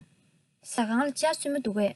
ཟ ཁང ལ ཇ སྲུབས མ འདུག གས